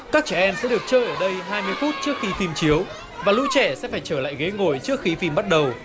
các trẻ em sẽ được chơi ở đây hai mươi phút trước khi phim chiếu và lũ trẻ sẽ phải trở lại ghế ngồi trước khi phim bắt đầu